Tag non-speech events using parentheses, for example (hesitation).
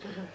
(hesitation) (hesitation)